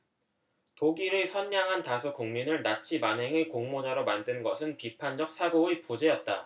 독일의 선량한 다수 국민을 나치 만행의 공모자로 만든 것은 비판적 사고의 부재였다